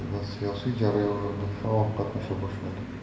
va siyosiy jarayonlarda faol qatnasha boshladi